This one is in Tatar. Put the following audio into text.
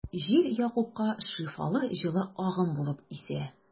Җил Якупка шифалы җылы агым булып исә.